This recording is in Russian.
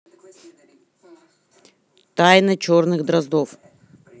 тайна черных дроздов